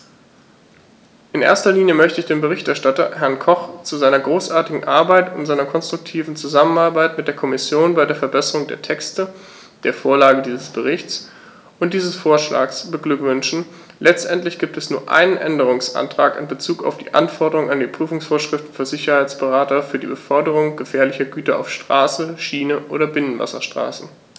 In erster Linie möchte ich den Berichterstatter, Herrn Koch, zu seiner großartigen Arbeit und seiner konstruktiven Zusammenarbeit mit der Kommission bei der Verbesserung der Texte, der Vorlage dieses Berichts und dieses Vorschlags beglückwünschen; letztendlich gibt es nur einen Änderungsantrag in bezug auf die Anforderungen an die Prüfungsvorschriften für Sicherheitsberater für die Beförderung gefährlicher Güter auf Straße, Schiene oder Binnenwasserstraßen.